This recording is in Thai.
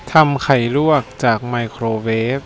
ทำไข่ลวกจากไมโครเวฟ